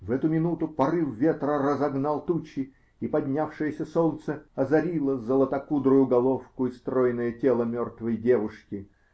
В эту минуту порыв ветра разогнал тучи, и поднявшееся солнце озарило золотокудрую головку и стройное тело мертвой девушки.